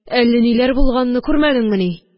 Әле ниләр булганны күрмәдеңмени